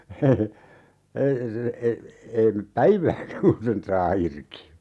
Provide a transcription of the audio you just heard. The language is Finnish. ei se ei ei mene päivääkään kun sen saa irti